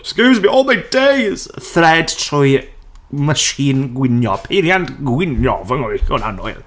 'scuse me, oh my days! Thread trwy...machine gwnïo, peiriant gwnïo fy nghyfeillion annwyl.